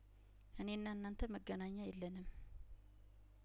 እኔና እናንተ መገናኛ የለንም